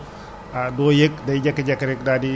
waaw niñ koy prévenir de ni ma wax rekk